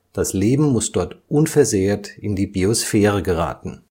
Das Leben muss dort unversehrt in die Biosphäre geraten